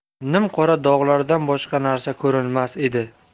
nim qora dog'lardan boshqa narsa ko'rinmas edi